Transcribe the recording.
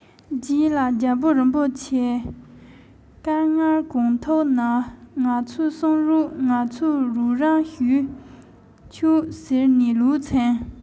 རྗེས ལ རྒྱལ པོ རིན པོ ཆེར དཀའ ངལ གང ཐུག ནའི ང ཚོར གསུང རོགས ང ཚོས རོགས རམ ཞུས ཆོག ཟེར ནས ལོག ཕྱིན